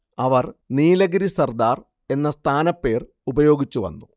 അവർ നീലഗിരി സർദാർ എന്ന സ്ഥാനപ്പേർ ഉപയോഗിച്ചു വന്നു